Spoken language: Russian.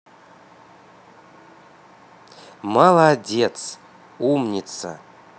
молодец умница